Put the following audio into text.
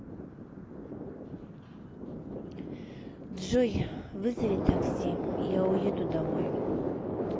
джой вызови такси я уеду домой